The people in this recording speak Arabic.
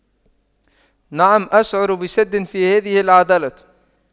نعم اشعر بشد في هذه العضلة